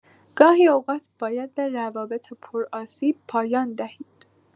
گاهی اوقات باید به روابط پرآسیب پایان دهید.